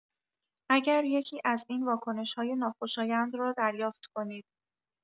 اگر یکی‌از این واکنش‌های ناخوشایند را دریافت کنید.